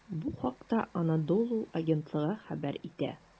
Бу хакта "Анадолу" агентлыгы хәбәр итә.